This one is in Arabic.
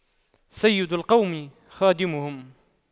سيد القوم خادمهم